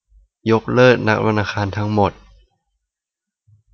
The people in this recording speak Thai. ยกเลิกนัดวันอังคารทั้งหมด